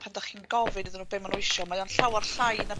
pan 'dach chi'n gofyn iddyn n'w be' ma' n'w isio mae o'n llawer llai na